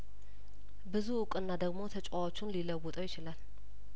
ብዙ እውቅና ደግሞ ተጫዋቹን ሊለውጠው ይችላል